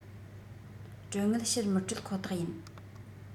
གྲོན དངུལ ཕྱིར མི སྤྲོད ཁོ ཐག ཡིན